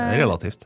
det er relativt.